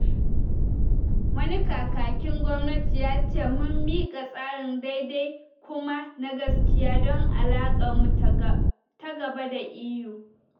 Wani kakakin gwamnati ya ce: “Mun mika tsarin daidai kuma na gaskiya don alakar mu ta gaba da EU.”